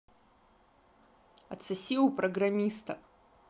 отсоси у программиста